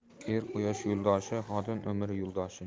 er quyosh yo'ldoshi xotin umr yo'ldoshi